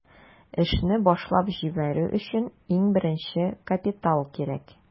Эшне башлап җибәрү өчен иң беренче капитал кирәк.